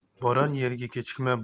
borar yerga kechikma